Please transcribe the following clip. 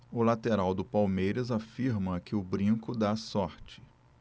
o lateral do palmeiras afirma que o brinco dá sorte